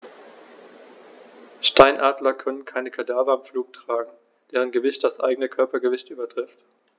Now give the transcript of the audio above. Steinadler können keine Kadaver im Flug tragen, deren Gewicht das eigene Körpergewicht übertrifft.